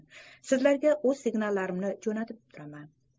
sizlarga o'z signallarimni jo'natib turaman